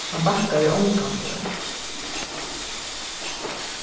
hann bakkaði ongantíð